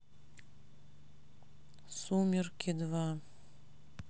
сумерки два